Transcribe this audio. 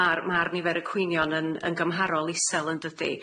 ma'r ma'r nifer y cwynion yn yn gymharol isel yndydi?